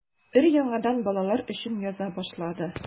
Өр-яңадан балалар өчен яза башлады.